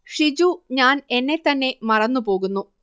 ഷിജു ഞാൻ എന്നെ തന്നെ മറന്നു പോകുന്നു